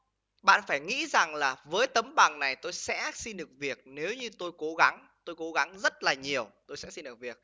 bạn phải nghĩ rằng là với tấm bằng này tôi sẽ xin được việc nếu như tôi cố gắng tôi cố gắng rất là nhiều tôi sẽ xin được việc